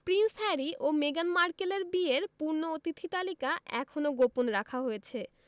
Prince Harry ও মেগান মার্কেলের বিয়ের পূর্ণ অতিথি তালিকা এখনো গোপন রাখা হয়েছে